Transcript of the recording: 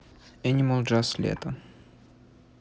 animal джаz лето